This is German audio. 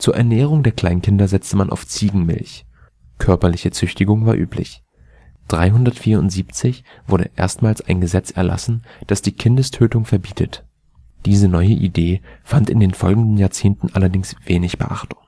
Ernährung der Kleinkinder setzte man auf Ziegenmilch. Körperliche Züchtigung war üblich. 374 wurde erstmals ein Gesetz erlassen, das die Kindestötung verbietet. Diese neue Idee fand in den folgenden Jahrzehnten allerdings wenig Beachtung